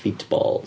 Feetballs.